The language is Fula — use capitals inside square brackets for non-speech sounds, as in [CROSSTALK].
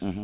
[HESITATION] [HESITATION]